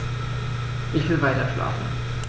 Ich will weiterschlafen.